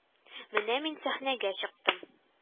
Менә мин сәхнәгә чыктым